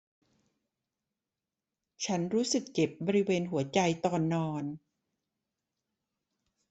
ฉันรู้สึกเจ็บบริเวณหัวใจตอนนอน